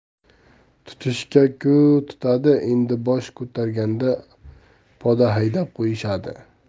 tutishga ku tutadi endi bosh ko'targanda poda haydab qo'yishadi